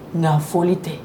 Nka foli tɛ